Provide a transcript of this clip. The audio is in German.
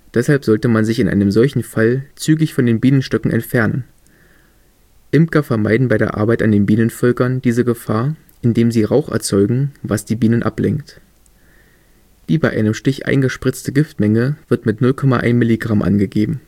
Deshalb sollte man sich in einem solchen Fall zügig von den Bienenstöcken entfernen. Imker vermeiden bei der Arbeit an den Bienenvölkern diese Gefahr, indem sie Rauch erzeugen, was die Bienen ablenkt. Die bei einem Stich eingespritzte Giftmenge wird mit 0,1 mg angegeben